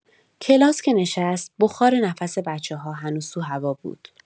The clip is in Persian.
کلاس که نشست، بخار نفس بچه‌ها هنوز تو هوا بود.